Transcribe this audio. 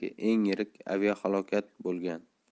eng yirik aviahalokat bo'lgan